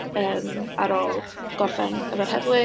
yym, ar ôl gorffen efo'r heddlu.